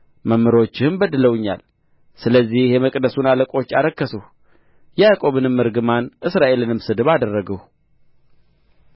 መምህሮችህም በድለውኛል ስለዚህ የመቅደሱን አለቆች አረከስሁ ያዕቆብንም እርግማን እስራኤልንም ስድብ አደረግሁ